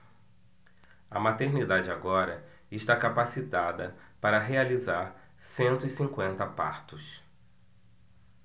a maternidade agora está capacitada para realizar cento e cinquenta partos